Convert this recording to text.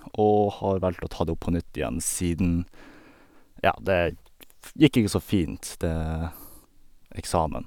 Og har valgt å ta det opp på nytt igjen siden, ja, det f gikk ikke så fint, det eksamen.